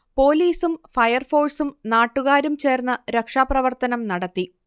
പോലീസും ഫയർഫോഴ്സും നാട്ടുകാരും ചേർന്ന് രക്ഷാപ്രവർത്തനം നടത്തി